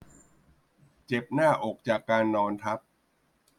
เจ็บหน้าอกจากการนอนทับ